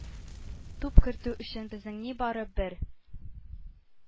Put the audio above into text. Туп кертү өчен безнең нибары – бер,